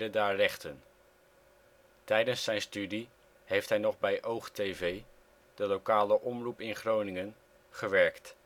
daar rechten. Tijdens zijn studie heeft hij nog bij OOG TV, de lokale omroep in Groningen, gewerkt